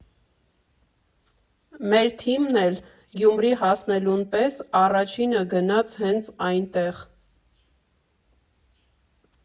Մեր թիմն էլ՝ Գյումրի հասնելուն պես, առաջինը գնաց հենց այնտեղ։